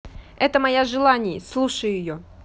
это моя желаний слушаю ее